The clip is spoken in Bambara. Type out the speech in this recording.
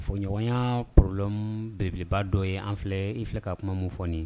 Fɔ ɲɔgɔnɲɔgɔnya pdɔn beleba dɔ ye an filɛ in filɛ ka kuma min fɔɔni